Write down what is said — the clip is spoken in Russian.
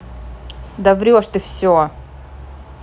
да врешь ты все